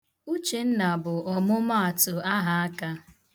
Uchenna bụ ọmụmaatụ ahaaka.